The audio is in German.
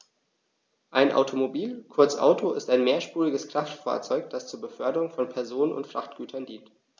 Ein Automobil, kurz Auto, ist ein mehrspuriges Kraftfahrzeug, das zur Beförderung von Personen und Frachtgütern dient.